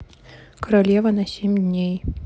королева на семь дней